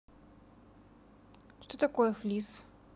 что такое флис